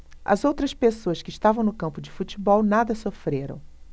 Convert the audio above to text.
as outras pessoas que estavam no campo de futebol nada sofreram